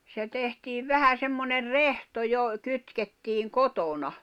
se tehtiin vähän semmoinen rehto jo kytkettiin kotona